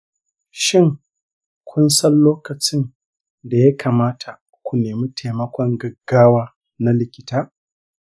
shin kun san lokacin da ya kamata ku nemi taimakon gaggawa na likita?